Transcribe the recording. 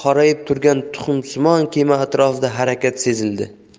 qorayib turgan tuxumsimon kema atrofida harakat sezildi